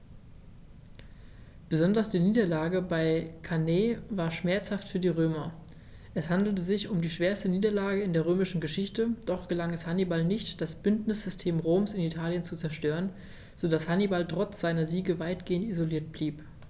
Besonders die Niederlage bei Cannae war schmerzhaft für die Römer: Es handelte sich um die schwerste Niederlage in der römischen Geschichte, doch gelang es Hannibal nicht, das Bündnissystem Roms in Italien zu zerstören, sodass Hannibal trotz seiner Siege weitgehend isoliert blieb.